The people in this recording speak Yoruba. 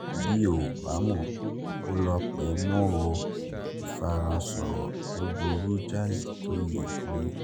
Bí ‘ò bá mọ̀, kó lọ pé mo ‘ò ìfarasọ̀rọ̀ tó burú jáyì tó yìí rí.”